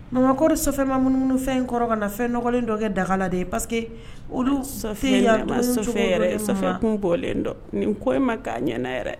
Mama kɔni Sɔfɛ ma munumunu kana fɛn in kɔrɔ ka na fɛn nɔgɔlen dɔ kɛ dagala dɛ parce que olu Sɔfɛ kun bɔlen nin ko in ma k'a ɲɛna yɛrɛ